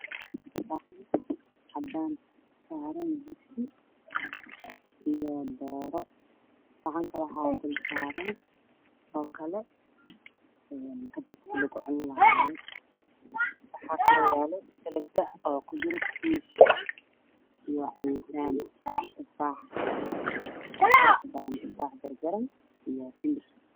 Saxan cadaan saaran jibsi iyo dooro saxanka waxa dul saaran oo kale een kajabki lagu cuni lahaay waxa kale oyalo salada waxa kujiro tiish iyo cabitaan tufaax waxa kor kasaaran tufaax jarjaran